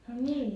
no niin